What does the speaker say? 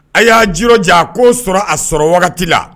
A y'a ji jan a k'o sɔrɔ a sɔrɔ wagati la